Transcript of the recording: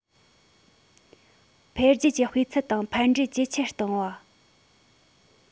འཕེལ རྒྱས ཀྱི སྤུས ཚད དང ཕན འབྲས ཇེ ཆེར གཏོང བ